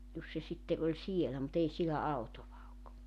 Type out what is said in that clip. jos se sitten oli siellä mutta ei siellä autoa ole